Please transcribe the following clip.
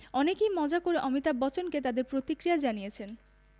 অনেকেই মজা করে অমিতাভ বচ্চনকে তাদের প্রতিক্রিয়া জানিয়েছেন